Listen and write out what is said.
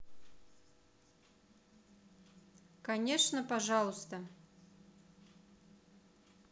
конечно пожалуйста